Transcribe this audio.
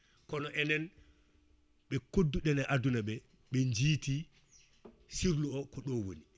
kono enen ɓe koddu ɗen e aduna ɓe ɓe jiiti sirlu o ko ɗo woni